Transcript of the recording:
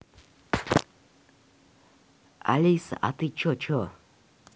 алиса а ты че че